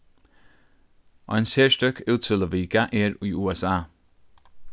ein serstøk útsøluvika er í usa